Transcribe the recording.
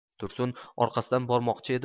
tursun orqasidan bormoqchi edi